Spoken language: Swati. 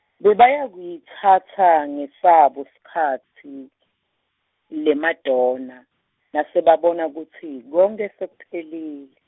Bebayakuyitsatsa ngesabo sikhatsi , leMadonna nasebabona kutsi konkhe sekuphelile.